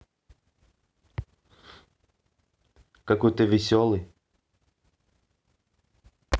какой ты веселый